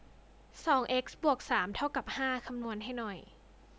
สองเอ็กซ์บวกสามเท่ากับห้าคำนวณให้หน่อย